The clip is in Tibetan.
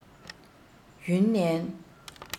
ཡུན ནན